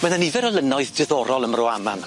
Ma' 'na nifer o lynnoedd diddorol ym Mro Aman.